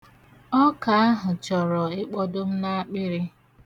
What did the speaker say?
Ọka ahụ chọrọ ịkpọdo m n'akpịrị.